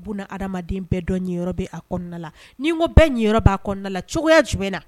Bun hadamaden bɛɛ dɔ ninyɔrɔ bɛ a kɔnɔna la, ni n ko bɛɛ niyɔrɔ bɛ a kɔnɔna la cogoya jumɛn na?